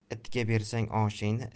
itga bersang oshingni